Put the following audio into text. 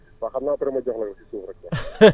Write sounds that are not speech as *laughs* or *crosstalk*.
waa xam naa après ma jox la ko ci suuf rek *laughs*